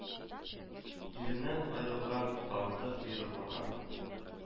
Иленнән аерылган канаты каерылган